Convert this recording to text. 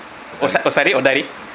o ssari o daari